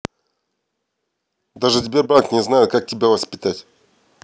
даже сбербанк не знает как тебя воспитывать